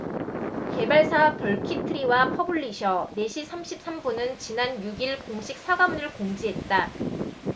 개발사 벌키트리와 퍼블리셔 네시삼십삼분은 지난 육 일 공식 사과문을 공지했다